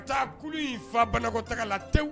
Taa kulu in fa bakɔ ta la